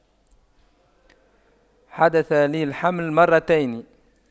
حدث لي الحمل مرتين